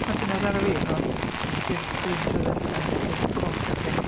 Wnaeth hynna daro fi, o, y 'Llyfr Gwyn Rhydderch' a 'Llyfr Coch Hergest'.